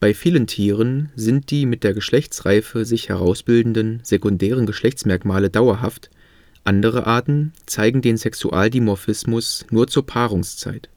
vielen Tieren sind die mit der Geschlechtsreife sich herausbildenden sekundären Geschlechtsmerkmale dauerhaft, andere Arten zeigen den Sexualdimorphismus nur zur Paarungszeit